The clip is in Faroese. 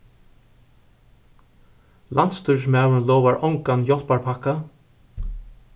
landsstýrismaðurin lovar ongan hjálparpakka